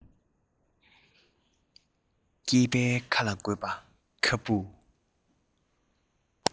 སྐྱེས པའི ཁ ལ དགོས པ ཁ སྤུ